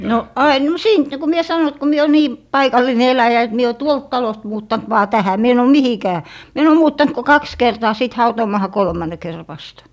no aina - siitä niin kuin minä sanoin että kun minä olen niin paikallinen eläjä että minä olen tuolta talosta muuttanut vain tähän minä en ole mihinkään minä en ole muuttanut kuin kaksi kertaa sitten hautuumaahan kolmannen kerran vasta